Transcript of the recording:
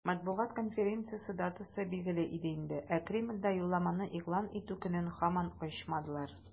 Матбугат конференциясе датасы билгеле иде инде, ә Кремльдә юлламаны игълан итү көнен һаман ачмадылар.